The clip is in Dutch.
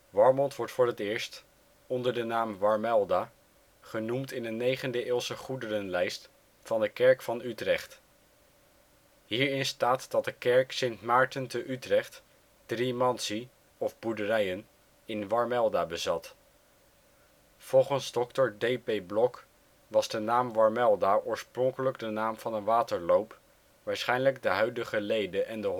Warmond wordt voor het eerst, onder de naam Warmelda, genoemd in een negende-eeuwse goederenlijst van de kerk van Utrecht. Hierin staat dat de kerk Sint Maarten te Utrecht drie mansi (boerderijen) in Warmelda bezat. Volgens dr. D.P. Blok was de naam Warmelda oorspronkelijk de naam van een waterloop, waarschijnlijk de huidige Leede en de